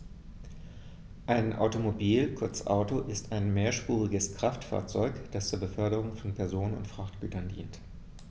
Ein Automobil, kurz Auto, ist ein mehrspuriges Kraftfahrzeug, das zur Beförderung von Personen und Frachtgütern dient.